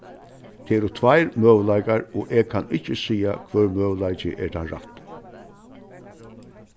tað eru tveir møguleikar og eg kann ikki siga hvør møguleiki er tann rætti